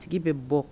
Tigi bɛ bɔ